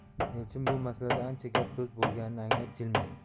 elchin bu masalada ancha gap so'z bo'lganini anglab jilmaydi